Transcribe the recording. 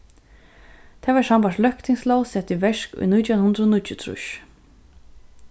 tað varð sambært løgtingslóg sett í verk í nítjan hundrað og níggjuogtrýss